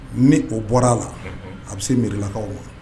Ni o bɔra a la, unhun, a bɛ se mɛrilakaw ma